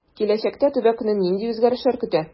Киләчәктә төбәкне нинди үзгәрешләр көтә?